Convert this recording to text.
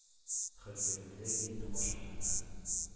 Хөр йөрәкле Гейне гашыйгына